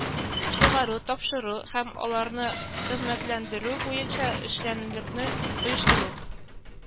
Чыгару, тапшыру һәм аларны хезмәтләндерү буенча эшчәнлекне оештыру